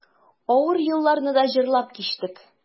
Авыр елларны да җырлап кичтек.